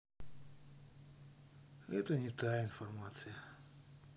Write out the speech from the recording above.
это не та информация